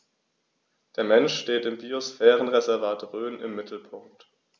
Der Mensch steht im Biosphärenreservat Rhön im Mittelpunkt.